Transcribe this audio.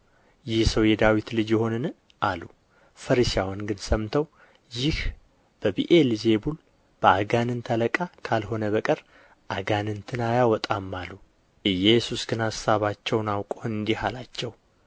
ይህ ሰው የዳዊት ልጅ ይሆንን አሉ ፈሪሳውያን ግን ሰምተው ይህ በብዔል ዜቡል በአጋንንት አለቃ ካልሆነ በቀር አጋንንትን አያወጣም አሉ ኢየሱስ ግን አሳባቸውን አውቆ እንዲህ አላቸው